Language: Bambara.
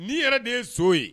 N'i yɛrɛ de ye so ye